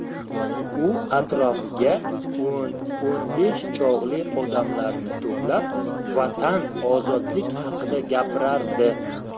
u atrofiga o'n o'n besh chog'li odamlarni to'plab vatan ozodlik haqida gapirardi